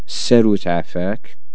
الساروت عافاك